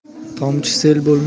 tomchi sel bo'lmas